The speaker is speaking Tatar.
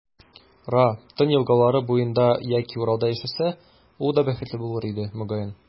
Ра, Тын елгалары буенда яки Уралда яшәсә, ул да бәхетле булыр иде, мөгаен.